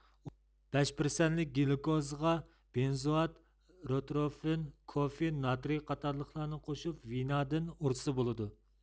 بەش پىرسەنتلىك گلۇكوزىغا بېنزوئات روتروپىن كوفېئىن ناترىي قاتارلىقلارنى قوشۇپ ۋىنادىن ئۇرسا بولىدۇ